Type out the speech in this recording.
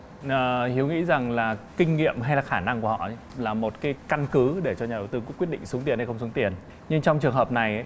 ờ hiếu nghĩ rằng là kinh nghiệm hay là khả năng của họ là một cái căn cứ để cho nhà đầu tư có quyết định xuống tiền hay không xuống tiền nhưng trong trường hợp này ấy